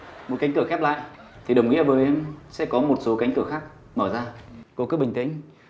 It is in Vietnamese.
một cánh cửa khép lại thì đồng nghĩa với sẽ có một số cánh cửa khác mở ra cô cứ bình tĩnh